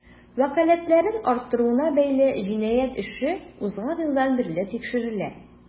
Вәкаләтләрен арттыруына бәйле җинаять эше узган елдан бирле тикшерелә.